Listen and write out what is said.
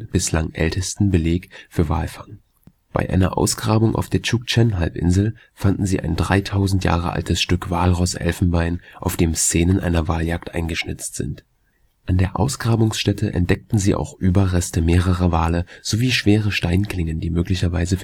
bislang ältesten) Beleg für Walfang. Bei einer Ausgrabung auf der Tschuktschen-Halbinsel fanden sie ein 3.000 Jahre altes Stück Walross-Elfenbein, auf dem Szenen einer Waljagd eingeschnitzt sind. An der Ausgrabungsstätte entdeckten sie auch Überreste mehrerer Wale sowie schwere Steinklingen, die möglicherweise